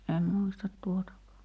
en muista tuotakaan